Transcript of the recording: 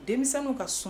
Denmisɛnww ka sɔn.